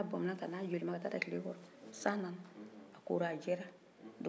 san nana a kora a jɛra dugu bɛɛ ye ji sɔrɔ ji ko ja tun bɛ dugu la dugu bɛɛ ye ji sɔrɔ